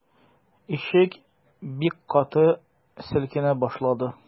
Ишек бик каты селкенә башлады.